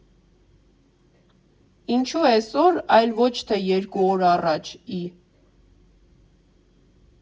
«Ինչո՞ւ էսօր, այլ ոչ թե երկու օր առաջ, ի՜»։